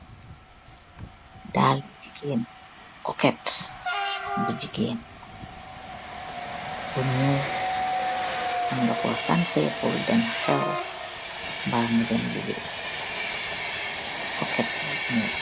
Daarli gigain, cocket bu gigain bu njull, mun nga kor sanseh pur dem khew mba nga dem legaye, cocket bu njull.